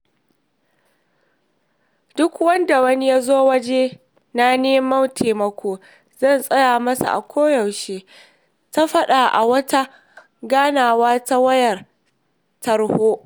Duk sanda wani yazo wajena neman taimako zan tsaya masa a koyaushe, ta faɗa a wata ganawa ta wayar tarho.